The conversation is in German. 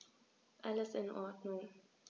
Alles in Ordnung.